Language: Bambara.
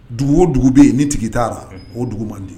Dugu o dugu be ye ni tigi t'a ra unhun o dugu mandi